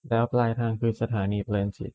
แล้วปลายทางคือสถานีเพลินจิต